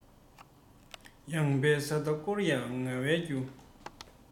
ཡངས པའི ས མཐའ བསྐོར ཡང ངལ བའི རྒྱུ